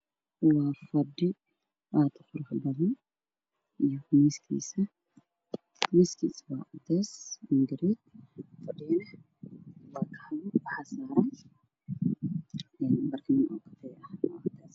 Waa wiil aada u qurux badan wuxuu wataa khamiis cadays ah iyo koofiya madow ah waxaana madaxa u saaran cimaamad qurxan